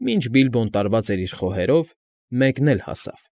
Մինչ Բիլբոն տարված էր իր խոհերով, մեկն էլ հասավ։